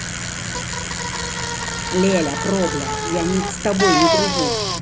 ляля пробля я с тобой не дружу